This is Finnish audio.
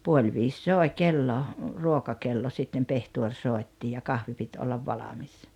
puoli viisi soi kello ruokakello sitten pehtori soitti ja kahvi piti olla valmis